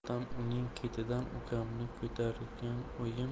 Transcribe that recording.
dadam uning ketidan ukamni ko'targan oyim